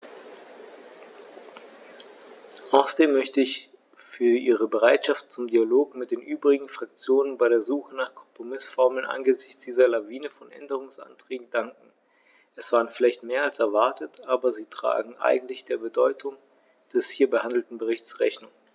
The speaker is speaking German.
Außerdem möchte ich ihr für ihre Bereitschaft zum Dialog mit den übrigen Fraktionen bei der Suche nach Kompromißformeln angesichts dieser Lawine von Änderungsanträgen danken; es waren vielleicht mehr als erwartet, aber sie tragen eigentlich der Bedeutung des hier behandelten Berichts Rechnung.